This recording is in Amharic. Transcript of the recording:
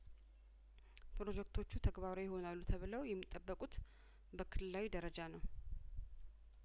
ፕሮጀክቶቹ ተግባራዊ ይሆናሉ ተብለው የሚጠበቁት በክልላዊ ደርጃ ነው